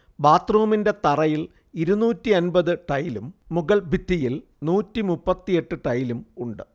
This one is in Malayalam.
ബാത്ത്റൂമിന്റെ തറയിൽ ഇരുന്നൂറ്റി അന്പത് ടൈലും മുകൾഭിത്തിയിൽ നൂറ്റി മുപ്പത്തിയെട്ട് ടൈലും ഉണ്ട്